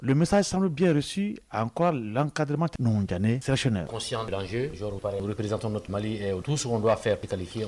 Misa sanu bi risi a k'a kadirma ninnutɛnɛn ssisi perez sugan don a fɛ ppitalihi